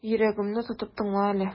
Йөрәгемне тотып тыңла әле.